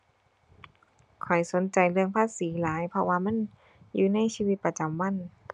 ข้อยสนใจเรื่องภาษีหลายเพราะว่ามันอยู่ในชีวิตประจำวัน